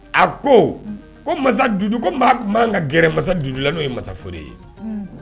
A ko ko masa Dudu ko maa tun man kan ka gɛrɛ masa la; n'o ye mansa Fore ye.